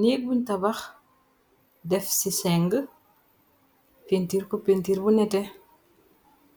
Néeg buñ tabax def ci seng péntiir ko pentiir bu nete